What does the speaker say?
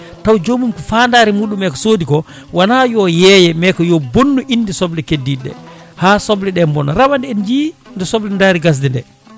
taw joomum ko fandare muɗum e ko soodi ko woona yo yeeye mais ko bonnu inde soble keddiɗe ɗe ha soleɗe boona rawade en jii ne soble daari gasde nde